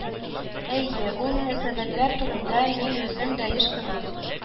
Әйе, ул мөнәсәбәтләр турында мин үзем дә еш кына